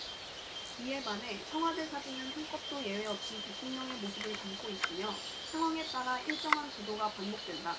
이에 반해 청와대 사진은 한 컷도 예외 없이 대통령의 모습을 담고 있으며 상황에 따라 일정한 구도가 반복된다